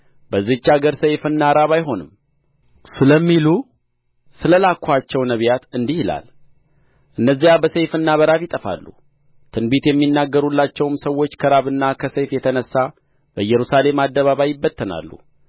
በዚህች አገር ሰይፍና ራብ አይሆንም ስለሚሉ ስላላክኋቸው ነቢያት እንዲህ ይላል እነዚያ በሰይፍና በራብ ይጠፋሉ ትንቢት የሚናገሩላቸውም ሰዎች ከራብና ከሰይፍ የተነሣ በኢየሩሳሌም አደባባይ ይበተናሉ